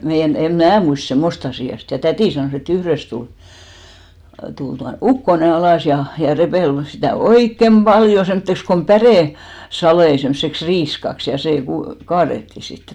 meidän en minä muista semmoista asiaa sitten ja täti sanoi että yhdestä tuli tuli tuo ukkonen alas ja ja repeli sitä oikein paljon semmoiseksi kun - päresaleita semmoiseksi riiskaksi ja se - kaadettiin sitten